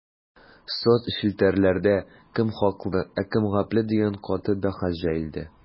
Соцчелтәрләрдә кем хаклы, ә кем гапле дигән каты бәхәс җәелде.